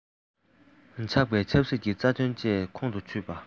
ཆགས པའི ཆབ སྲིད ཀྱི རྩ དོན བཅས ཀྱང ཁོང དུ ཆུད པ བྱེད དགོས